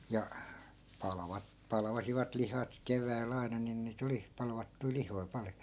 ja - palvasivat lihat keväällä aina niin niitä oli palvattuja lihoja paljon